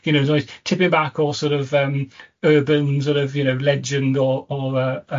you know, roedd tipyn bach o sor' of yym urban sor' of you know, legend o o'r y yy